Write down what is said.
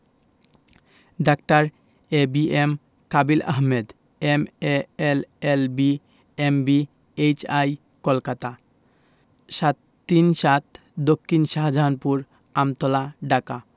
ডাঃ A B M Kabil Ahmed M A L L B M B H I Kolkata ৭৩৭ দক্ষিন শাহজাহানপুর আমতলা ঢাকা